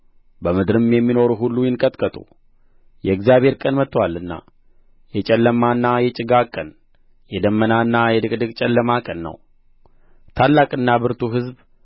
በምድርም የሚኖሩ ሁሉ ይንቀጥቀጡ የእግዚአብሔር ቀን መጥቶአልና የጨለማና የጭጋግ ቀን የደመናና የድቅድቅ ጨለማ ቀን ነው ታላቅና ብርቱ ሕዝብ